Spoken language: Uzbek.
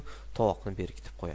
tovoqni berkitib qo'yadi